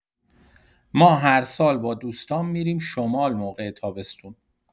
ما هر سال با دوستام می‌ریم شمال موقع تابستون.